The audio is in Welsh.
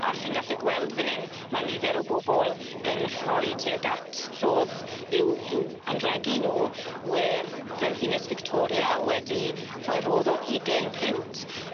A chi'n gallu gweld fyn 'yn ma' nifer o bobol in rhoi tuag at rhodd i'w i'w anregi nw wer Frenhines Victoria wedi rhoi rhodd o ugen punt